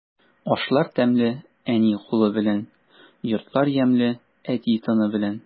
Ашлар тәмле әни кулы белән, йортлар ямьле әти тыны белән.